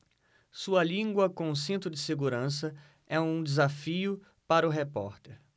sua língua com cinto de segurança é um desafio para o repórter